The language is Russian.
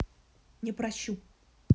непращу